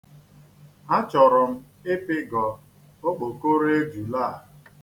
Achọrọ m ịpịgọ okpokoro ejula a.